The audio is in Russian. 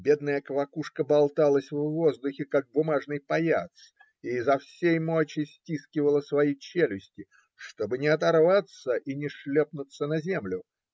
бедная квакушка болталась в воздухе, как бумажный паяц, и изо всей мочи стискивала свои челюсти, чтобы не оторваться и не шлепнуться на землю.